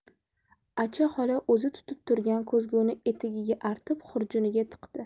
acha xola o'zi tutib turgan ko'zguni etagiga artib xurjuniga tiqdi